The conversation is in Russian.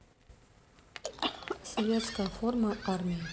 советская форма армии